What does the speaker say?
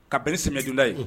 Ka bɛn ni sɛmiyɛdonda ye unh